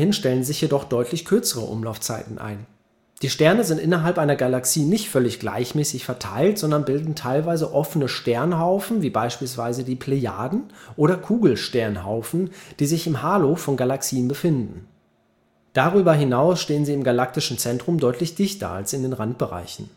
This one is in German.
stellen sich jedoch deutlich kürzere Umlaufzeiten ein. Die Sterne sind innerhalb einer Galaxie nicht völlig gleichmäßig verteilt, sondern bilden teilweise offene Sternhaufen wie beispielsweise die Plejaden, auch Siebengestirn genannt, oder Kugelsternhaufen, die sich im Halo von Galaxien befinden. Darüber hinaus stehen sie im galaktischen Zentrum deutlich dichter als in den Randbereichen